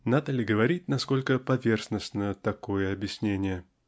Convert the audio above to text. Надо ли говорить, насколько поверхностно такое объяснение.